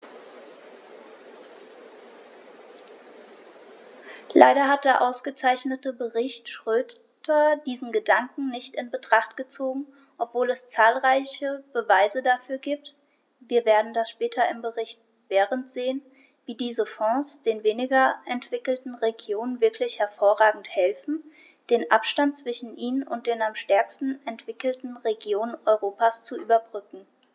Leider hat der ausgezeichnete Bericht Schroedter diesen Gedanken nicht in Betracht gezogen, obwohl es zahlreiche Beweise dafür gibt - wir werden das später im Bericht Berend sehen -, wie diese Fonds den weniger entwickelten Regionen wirklich hervorragend helfen, den Abstand zwischen ihnen und den am stärksten entwickelten Regionen Europas zu überbrücken.